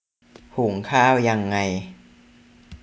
หุงข้าวยังไง